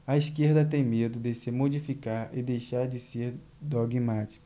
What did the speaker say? a esquerda tem medo de se modificar e deixar de ser dogmática